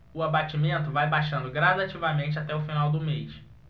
o abatimento vai baixando gradativamente até o final do mês